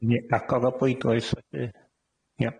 Ni agor y bleidlais felly. Ia.